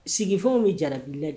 Sigifɛnw bɛ jarabili la de